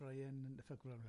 Ryan yn